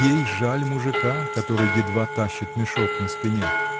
Ей жаль мужика, который едва тащит мешок на спине.